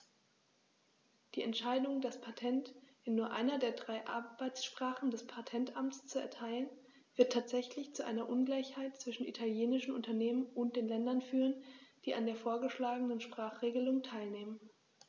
Die Entscheidung, das Patent in nur einer der drei Arbeitssprachen des Patentamts zu erteilen, wird tatsächlich zu einer Ungleichheit zwischen italienischen Unternehmen und den Ländern führen, die an der vorgeschlagenen Sprachregelung teilnehmen.